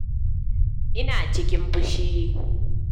Ina cikin fushi."